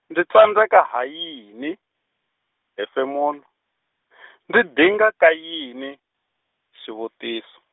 ndzi tsandzaka ha yini, hefemulo , ndzi dingaka yini, xivutiso.